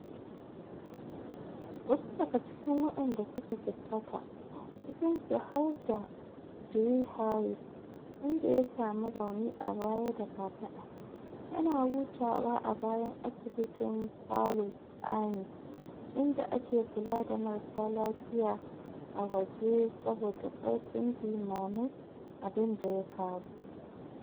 Wasu daga cikin waɗanda suka jikkata, cikinsu har da Dwi Haris, wanda ya sami rauni a baya da kafada, yana hutawa a bayan asibitin Palu’s Army, inda ake kula da marasa lafiya a waje saboda karfin Jiamamin abun da ya faru.